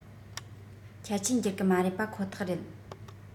ཁྱད ཆོས འགྱུར གི མ རེད པ ཁོ ཐག རེད